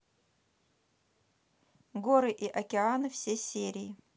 горы и океаны все серии